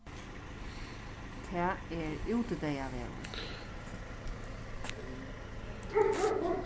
tað er útideyðaveður